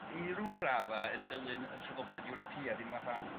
I rw radda yn dilyn y traddodiad Ewropeaidd, unwaith ath